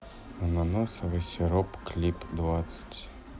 ананасовый сироп клип двадцать